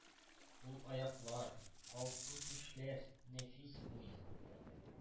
Ул аяклар! Калку түшләр! Нәфис муен!